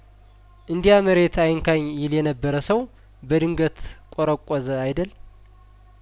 እንዲያ መሬት አይንካኝ ይል የነበረ ሰው በድንገት ቆረቆዘ አይደል